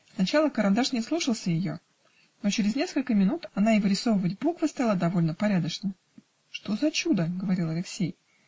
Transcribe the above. сначала карандаш не слушался ее, но через несколько минут она и вырисовывать буквы стала довольно порядочно. "Что за чудо! -- говорил Алексей.